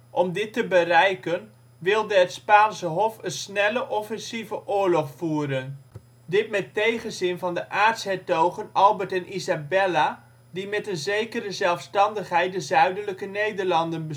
Om dit te bereiken wilde het Spaanse hof een snelle offensieve oorlog voeren. Dit met tegenzin van de aartshertogen Albert en Isabella die met een zekere zelfstandigheid de Zuidelijke Nederlanden